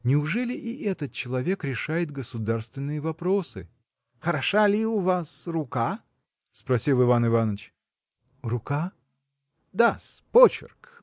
– Неужели и этот человек решает государственные вопросы! – Хороша ли у вас рука? – спросил Иван Иваныч. – Рука? – Да-с; почерк.